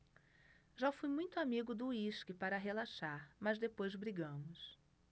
já fui muito amigo do uísque para relaxar mas depois brigamos